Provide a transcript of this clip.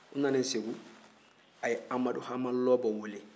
u nanen segu a ye amadu hama lɔbɔ wele